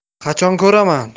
qachon ko'raman